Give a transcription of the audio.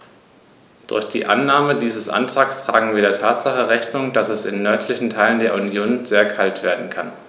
Durch die Annahme dieses Antrags tragen wir der Tatsache Rechnung, dass es in den nördlichen Teilen der Union sehr kalt werden kann.